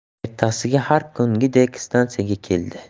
ertasiga har kungidek stansiyaga keldi